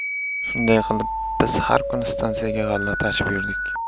shunday qilib biz har kuni stansiyaga g'alla tashib yurdik